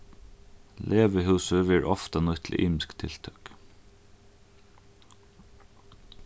leguhúsið verður ofta nýtt til ymisk tiltøk